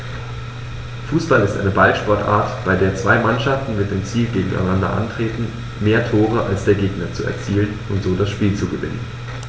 Fußball ist eine Ballsportart, bei der zwei Mannschaften mit dem Ziel gegeneinander antreten, mehr Tore als der Gegner zu erzielen und so das Spiel zu gewinnen.